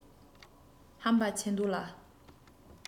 ཧམ པ ཆེ མདོག ལ